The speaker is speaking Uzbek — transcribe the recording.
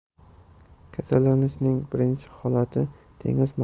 kasallanishning birinchi holatini dengiz